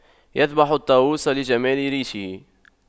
يذبح الطاووس لجمال ريشه